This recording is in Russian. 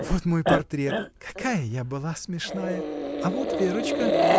Вот мой портрет — какая я была смешная! а вот Верочка.